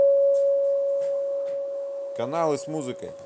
каналы с музыкой